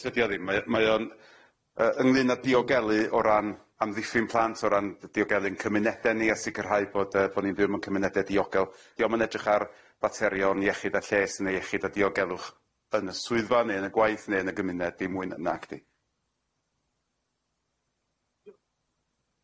D- tydi o ddim mae o mae o'n yy ynglŷn â diogelu o ran amddiffyn plant o ran dy- diogelu'n cymunede ni a sicirhau bod yy bo' ni byw yn cymunede diogel diom yn edrych ar faterion iechyd a lles neu iechyd a diogelwch yn y swyddfa neu yn y gwaith neu yn y gymuned dim mwy na nacdi?